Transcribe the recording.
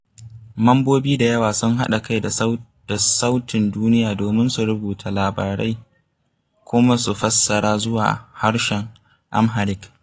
Mambobi da yawa sun haɗa kai da Sautin Duniya domin su rubuta labarai kuma su fassara zuwa harshen Amharic.